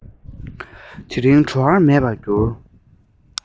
དེ རིང བྲོ བ མེད པར འགྱུར